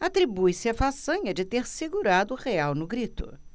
atribuiu-se a façanha de ter segurado o real no grito